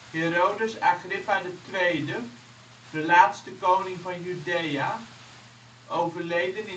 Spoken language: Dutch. Herodes Agrippa II, laatste koning van Judea (overleden